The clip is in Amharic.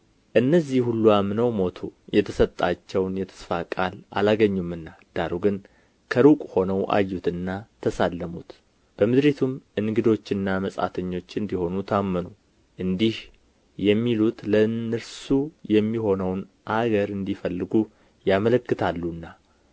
እነዚህ ሁሉ አምነው ሞቱ የተሰጣቸውን የተስፋ ቃል አላገኙምና ዳሩ ግን ከሩቅ ሆነው አዩትና ተሳለሙት በምድሪቱም እንግዶችና መጻተኞች እንዲሆኑ ታመኑ እንዲህ የሚሉት ለእነርሱ የሚሆነውን አገር እንዲፈልጉ ያመለክታሉና